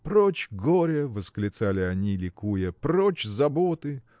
Прочь горе, – восклицали они, ликуя, – прочь заботы!